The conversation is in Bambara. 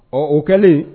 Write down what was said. Ɔ o kɛlen